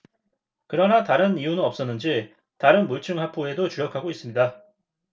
그러나 다른 이유는 없었는지 다른 물증 확보에도 주력하고 있습니다